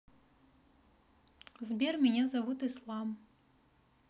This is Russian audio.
сбер меня зовут ислам